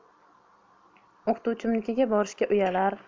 o'qituvchimnikiga borishga uyalar